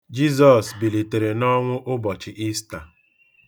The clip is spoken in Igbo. Jizọs bilitere n'ọnwụ ụbọchị Ista.